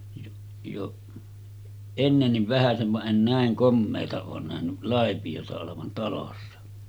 jo jo ennenkin vähäsen vaan en näin komeaa ole nähnyt laipiota olevan talossa